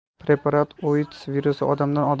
preparat oits virusi odamdan